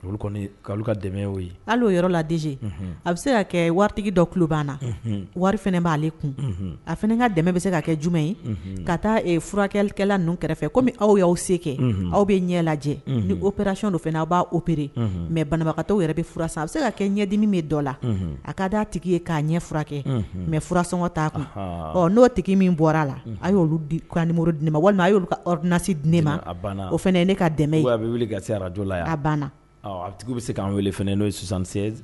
Olu' ka dɛ yeo yɔrɔ ladizse a bɛ se ka kɛ waritigi dɔ ku banna wari fana b'ale kun a fana ka dɛmɛ bɛ se ka kɛ jumɛn ye ka taa furakɛlikɛlala ninnu kɛrɛfɛ kɔmi aw y'aw se kɛ aw bɛ ɲɛ lajɛ niɛrasiy dɔ fana' aw b' opere mɛ banabagakatɔ yɛrɛ bɛ f a bɛ se ka kɛ ɲɛdimi bɛ dɔ la a ka d' a tigi ye k'a ɲɛ furakɛ mɛ furasɔngɔ t'a kɔnɔ n'o tigi min bɔra a la a y'mo di ma walima a y'olu kaunasi di ne ma o fana ne ka dɛmɛ bɛ ga araj la a banna a bɛ bɛ se' weele n'o ye sisansan